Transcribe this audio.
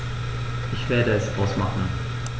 Ich werde es ausmachen